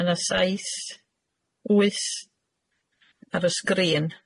Ma' na saith, wyth ar y sgrin.